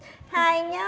hai nhóc